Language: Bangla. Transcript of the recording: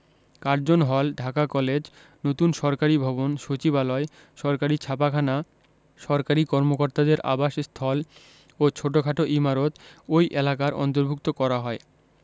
কার্জন হল ঢাকা কলেজ নতুন সরকারি ভবন সচিবালয় সরকারি ছাপাখানা সরকারি কর্মকর্তাদের আবাসস্থল ও ছোটখাট ইমারত ওই এলাকার অন্তর্ভুক্ত করা হয়